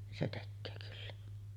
niin se tekee kyllä